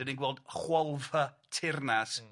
'dan ni'n gweld chwalfa teyrnas